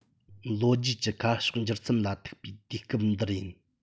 ལོ རྒྱུས ཀྱི ཁ ཕྱོགས འགྱུར མཚམས ལ ཐུག པའི དུས སྐབས འདིར ཡིན